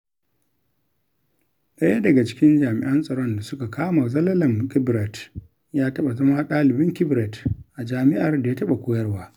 ɗaya daga cikin jami'an tsaron da suka kama Zelalem Kibret ya taɓa zama ɗalibin Kibret a jami'ar da ya taɓa koyarwa.